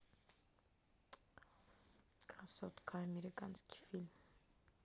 красотка американский фильм